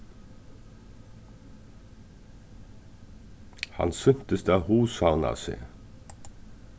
hann sýntist at hugsavna seg